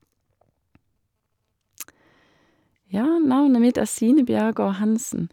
Ja, navnet mitt er Sine Bjerregård Hanssen.